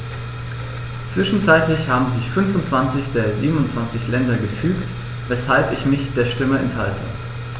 Zwischenzeitlich haben sich 25 der 27 Länder gefügt, weshalb ich mich der Stimme enthalte.